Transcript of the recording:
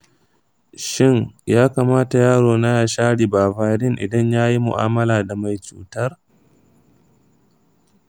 shin ya kamata yaro na ya sha ribavirin idan ya yi mu’amala da mai cutar?